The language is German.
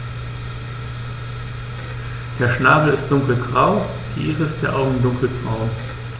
Der Schnabel ist dunkelgrau, die Iris der Augen dunkelbraun.